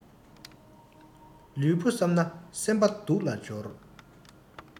ལུས པོ བསམས ན སེམས པ སྡུག ལ སྦྱོར